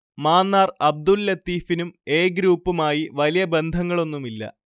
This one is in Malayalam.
മാന്നാർ അബ്ദുൽ ലത്തീഫിനും എ ഗ്രൂപ്പുമായി വലിയ ബന്ധങ്ങളൊന്നുമില്ല